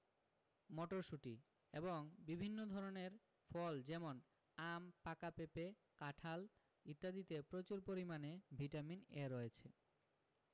মটরশুঁটি এবং বিভিন্ন ধরনের ফল যেমন আম পাকা পেঁপে কাঁঠাল ইত্যাদিতে প্রচুর পরিমানে ভিটামিন A রয়েছে